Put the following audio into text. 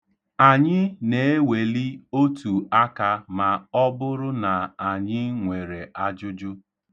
Anyị na-eweli otu aka ma ọ bụrụ na anyị nwere ajụjụ.